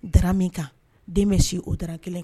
Dara min kan den bɛ si o da kelen